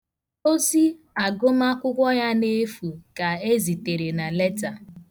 Ozi agụmakwụkwọ ya n' efu ka e zitere na leta.